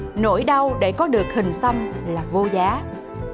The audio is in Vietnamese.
nỗi đau để có được hình xăm là vô giá